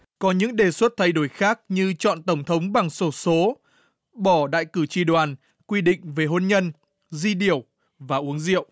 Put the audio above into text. có những đề xuất thay đổi khác như chọn tổng thống bằng xổ số bổ đại cử tri đoàn quy định về hôn nhân duy điểu và uống rượu